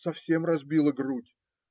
Совсем разбило грудь.